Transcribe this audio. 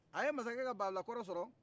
a ye mansakɛ ka banfula kɔrɔ sɔrɔ